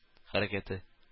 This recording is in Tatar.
Хәрәкәте